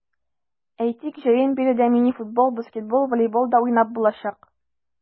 Әйтик, җәен биредә мини-футбол, баскетбол, волейбол да уйнап булачак.